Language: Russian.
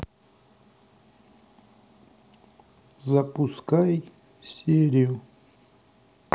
запускай серию